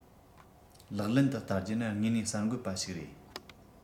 ལག ལེན དུ བསྟར རྒྱུ ནི དངོས གནས གསར འགོད པ ཞིག རེད